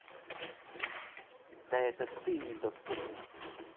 да это ты недоступна